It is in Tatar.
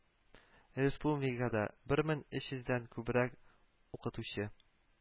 Республикада бер мең өч йөздән күбрәк укытучы